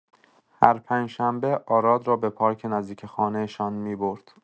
هر پنج‌شنبه، آراد را به پارک نزدیک خانه‌شان می‌برد.